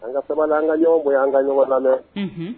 An ka sabali an ka ɲɔgɔnkɔ an ka ɲɔgɔn lamɛn